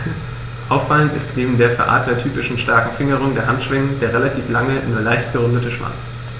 Auffallend ist neben der für Adler typischen starken Fingerung der Handschwingen der relativ lange, nur leicht gerundete Schwanz.